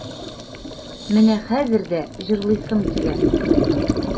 Менә хәзер дә җырлыйсым килә.